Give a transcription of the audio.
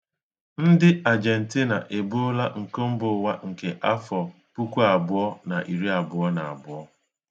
Ndị Ajentina ebuola iko mbụụwa nke afọ 2022.